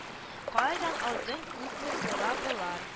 Кайдан алдың күпме тора болар